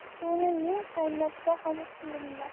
suvni ming qaynatsa ham quyulmas